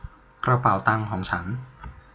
กระเป๋าตังของฉัน